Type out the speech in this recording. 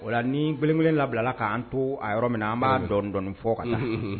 Ola ni g kelen labilala k'an to yɔrɔ min an b'a dɔndɔnɔni fɔ ka na